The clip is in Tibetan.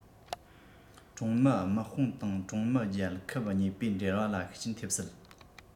ཀྲུང མི དམག དཔུང དང ཀྲུང མི རྒྱལ ཁབ གཉིས པོའི འབྲེལ བ ལ ཤུགས རྐྱེན ཐེབས སྲིད